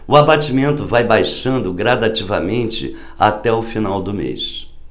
o abatimento vai baixando gradativamente até o final do mês